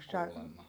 kuulemma